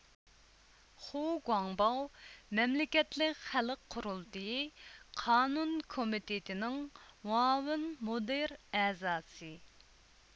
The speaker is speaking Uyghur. خۇ گۇاڭباۋ مەملىكەتلىك خەلق قۇرۇلتىيى قانۇن كومىتېتىنىڭ مۇئاۋىن مۇدىر ئەزاسى